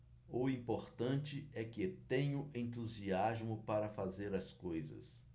o importante é que tenho entusiasmo para fazer as coisas